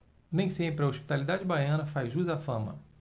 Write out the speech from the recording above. nem sempre a hospitalidade baiana faz jus à fama